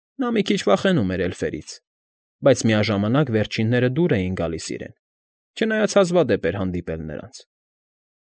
Նա մի քիչ վախենում էր էլֆերից, բայց միաժամանակ վերջինները դուր էին գալիս իրեն, չնայած հազվադեպ էր հանդիպել նրանց։